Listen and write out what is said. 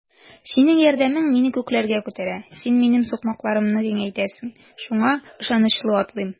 Синең ярдәмең мине күкләргә күтәрә, син минем сукмакларымны киңәйтәсең, шуңа ышанычлы атлыйм.